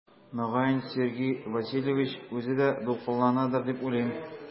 Мөгаен Сергей Васильевич үзе дә дулкынланадыр дип уйлыйм.